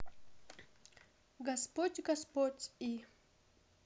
господь господь и